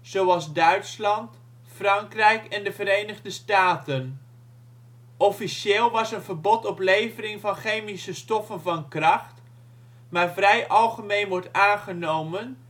zoals Duitsland, Frankrijk en de Verenigde Staten. Officieel was een verbod op levering van chemische stoffen van kracht, maar vrij algemeen wordt aangenomen